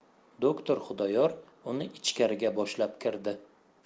doktor xudoyor uni ichkariga boshlab kirdi